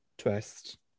Twist.